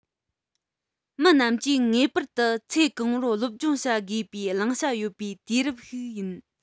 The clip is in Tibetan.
མི རྣམས ཀྱིས ངེས པར དུ ཚེ གང པོར སློབ སྦྱོང བྱ དགོས པའི བླང བྱ ཡོད པའི དུས རབས ཤིག ཡིན